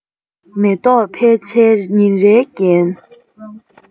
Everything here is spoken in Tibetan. མེ ཏོག ཕལ ཆེར ཉིན རེའི རྒྱན